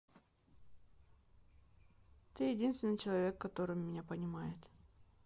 ты единственный человек который меня понимает